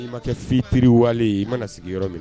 i ma kɛ fitiriri wale ye i mana sigi yɔrɔ min